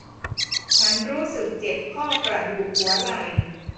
ฉันรู้สึกเจ็บข้อกระดูกหัวไหล่